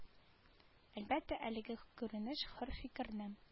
Әлбәттә әлеге күренеш хөр фикерне